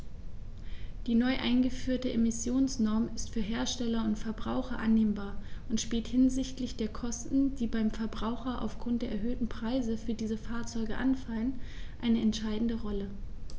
Die neu eingeführte Emissionsnorm ist für Hersteller und Verbraucher annehmbar und spielt hinsichtlich der Kosten, die beim Verbraucher aufgrund der erhöhten Preise für diese Fahrzeuge anfallen, eine entscheidende Rolle.